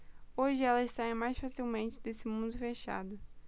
hoje elas saem mais facilmente desse mundo fechado